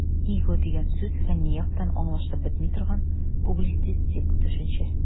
"иго" дигән сүз фәнни яктан аңлашылып бетми торган, публицистик төшенчә.